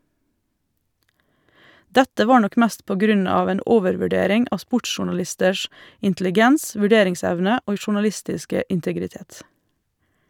Dette var nok mest på grunn av en overvurdering av sportsjournalisters intelligens, vurderingsevne og journalistiske integritet.